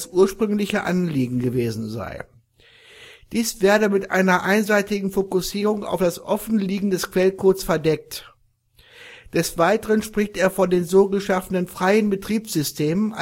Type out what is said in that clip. ursprüngliche Anliegen gewesen sei. Dies werde mit einer einseitigen Fokussierung auf das Offenliegen des Quellcodes verdeckt (siehe Kapitel Begriffsproblem im Artikel Open Source). Des Weiteren spricht er von den so geschaffenen “Freien Betriebssystemen